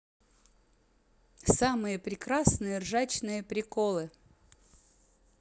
самые пресамые ржачные приколы